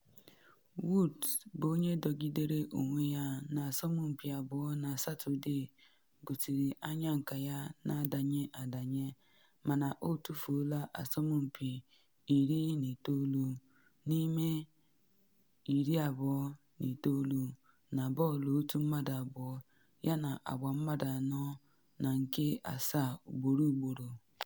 Woods, bụ onye dọgidere onwe ya na asompi abụọ na Satọde gosiri anya nka ya na adanye adanye mana o tufuola asompi 19 n’ime 29 na bọọlụ otu mmadụ abụọ yana agba mmadụ anọ na nke asaa ugboro ugboro.